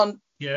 ...ond... Ie.